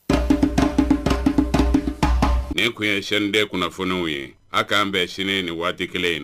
Nin tun ye sɛden kunnafoniw ye a k an bɛn sini nin waati kelen ye